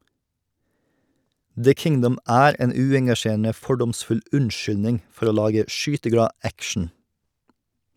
"The Kingdom" er en uengasjerende, fordomsfull unnskyldning for å lage skyteglad action.